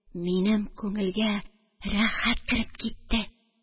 Минем күңелгә рәхәт кереп китте.